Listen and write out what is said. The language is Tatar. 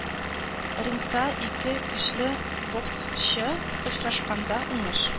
Рингта ике көчле боксчы очрашканда уңыш